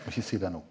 ikke si det nå.